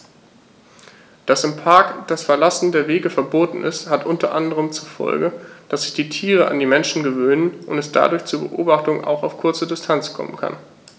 Dass im Park das Verlassen der Wege verboten ist, hat unter anderem zur Folge, dass sich die Tiere an die Menschen gewöhnen und es dadurch zu Beobachtungen auch auf kurze Distanz kommen kann.